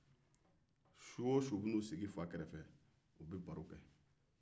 su o su u bɛ na u sigi fa kɛrɛfɛ u bɛ baro kɛ